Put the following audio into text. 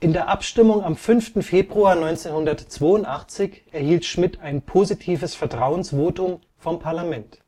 der Abstimmung am 5. Februar 1982 erhielt Schmidt ein positives Vertrauensvotum vom Parlament